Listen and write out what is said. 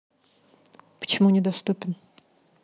почему недоступен